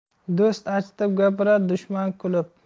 do'st achitib gapirar dushman kulib